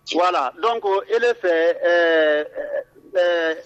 Voila donc e le fɛ ɛɛ